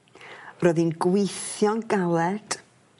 ro'dd 'i'n gweithio'n galed